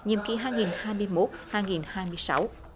nhiệm kỳ hai nghìn hai mươi mốt hai nghìn hai mươi sáu